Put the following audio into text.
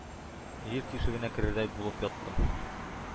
Җир тишегенә керердәй булып яттым...